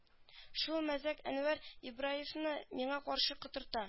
Шул мәзәк әнвәр ибраевны миңа каршы котырта